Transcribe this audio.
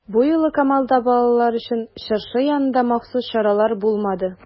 Бу юлы Камалда балалар өчен чыршы янында махсус чаралар булмады.